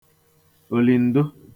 òlìǹdụ